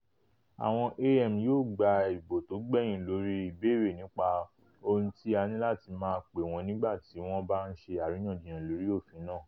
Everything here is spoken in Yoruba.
Àwọn AM yóò gba ìbò tó gbẹ̀yìn lóri ìbéèrè nípa ohun tí a ní láti máa pè wọn nígbà tí wọn bá ń ṣe àríyànjiyàn lórí òfin náà.